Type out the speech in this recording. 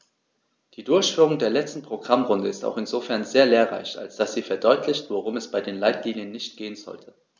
Die Durchführung der letzten Programmrunde ist auch insofern sehr lehrreich, als dass sie verdeutlicht, worum es bei den Leitlinien nicht gehen sollte.